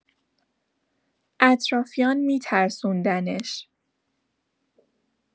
اطرافیان می‌ترسوندنش.